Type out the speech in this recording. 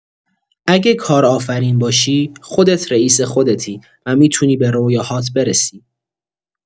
اگه کارآفرین باشی، خودت رئیس خودتی و می‌تونی به رویاهات برسی.